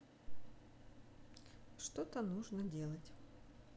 что что нужно делать